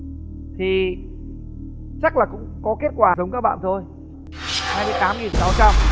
thì chắc là cũng có kết quả giống các bạn thôi hai mươi tám nghìn sáu trăm